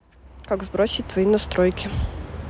как сбросить твои настройки